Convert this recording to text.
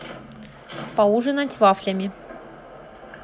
поужинать вафлями